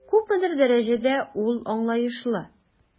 Күпмедер дәрәҗәдә ул аңлаешлы.